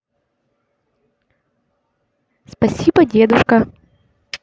спасибо дедушка